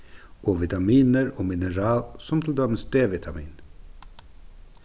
og vitaminir og mineral sum til dømis d-vitamin